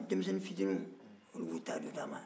denmisɛnni fitiniw olu b'u ta dun u dan ma